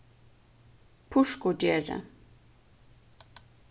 purkugerði